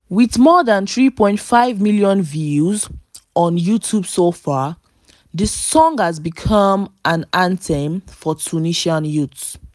With more than 3.4 million views on YouTube so far, the song has become an anthem for Tunisian Youth.